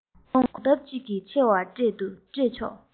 གོང ལྡབ གཅིག གིས ཆེ བ སྤྲད ཆོག